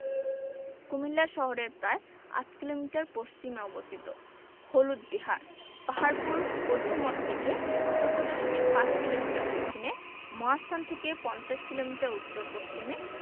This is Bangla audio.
কুমিল্লা শহরের প্রায় ৮ কিলোমিটার পশ্চিমে অবস্থিত হলুদ বিহার পাহাড়পুর বৌদ্ধমঠ থেকে ১৪দশমিক ৫ কিলোমিটার দক্ষিণে মহাস্থান থেকে পঞ্চাশ কিলোমিটার উত্তর পশ্চিমে